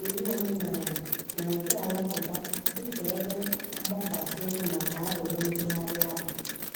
iwu omenala na nke Alakụba dịka ebe mgbakwasị ụkwụ maka arịrịọ mkpegharị ahụ.